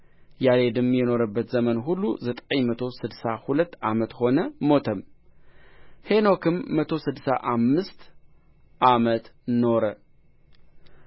ያሬድም የኖረበት ዘመን ሁሉ ዘጠኝ መቶ ስድሳ ሁለት ዓመት ሆነ ሞተም ሄኖክም መቶ ስድሳ አምስት ዓመት ኖረ